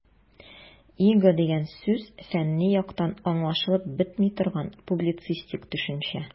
"иго" дигән сүз фәнни яктан аңлашылып бетми торган, публицистик төшенчә.